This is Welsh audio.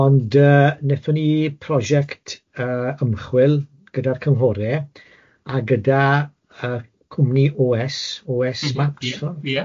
Ond yy wnaethon ni prosiect yy ymchwil gyda'r cynghore a gyda yy cwmni owe ess, owe ess Smart tibod. Ie ie.